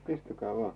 istukaa vain